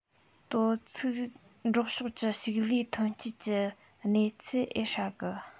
དོ ཚིགས འབྲོག ཕྱོགས གི ཕྱུགས ལས ཐོན སྐྱེད གི གནས ཚུལ ཨེ ཧྲ གི